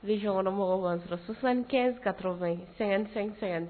Région kɔnɔmɔgɔɛw b'an sɔrɔ 75 80 55 5O